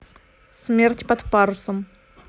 смерть под парусом